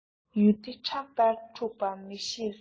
ཡུལ སྡེ ཁྲག ལྟར འཁྲུག པ མི ཤེས སོ